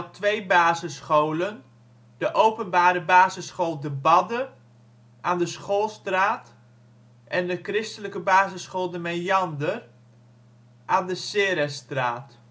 twee basisscholen: de openbare basisschool ' de Badde ' aan de Schoolstraat de christelijke basisschool ' de Meander ' aan de Ceresstraat